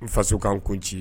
N faso kanan ko ci